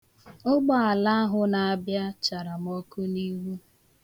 Ụgbaala ahụ na-abịa chara m ọkụ n'ihu.